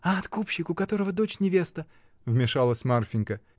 — А откупщик, у которого дочь невеста, — вмешалась Марфинька.